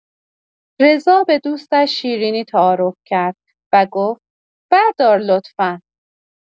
رضا به دوستش شیرینی تعارف کرد و گفت بردار لطفا